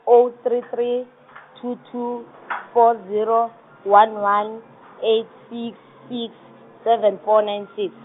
oh three three two two four zero one one eight six six seven four nine six.